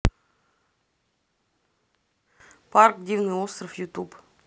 парк дивный остров ютуб